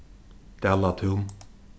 dalatún